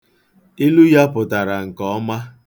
Ilu ya pụtara nke ọma.